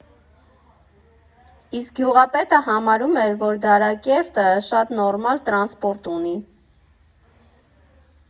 Իսկ գյուղապետը համարում էր, որ Դարակերտը շատ նորմալ տրանսպորտ ունի.